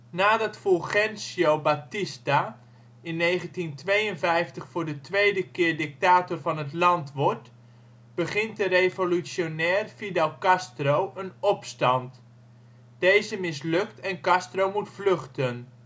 Nadat Fulgencio Batista in 1952 voor de tweede keer dictator van het land wordt, begint de revolutionair Fidel Castro een opstand. Deze mislukt en Castro moet vluchten